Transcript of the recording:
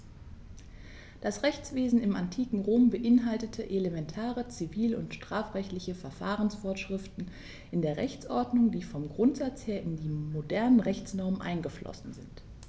Das Rechtswesen im antiken Rom beinhaltete elementare zivil- und strafrechtliche Verfahrensvorschriften in der Rechtsordnung, die vom Grundsatz her in die modernen Rechtsnormen eingeflossen sind.